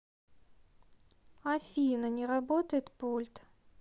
афина не работает пульт